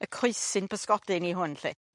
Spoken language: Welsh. y coesyn pysgodyn i hwn 'lly.